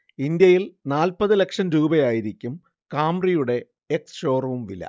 ഇന്ത്യയിൽ നാല്‍പ്പത് ലക്ഷം രൂപയായിരിക്കും കാംറിയുടെ എക്സ്ഷോറും വില